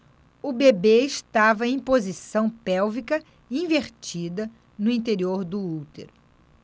o bebê estava em posição pélvica invertida no interior do útero